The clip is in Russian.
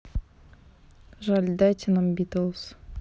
жаль дайте нам beatles